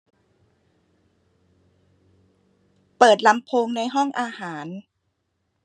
เปิดลำโพงในห้องอาหาร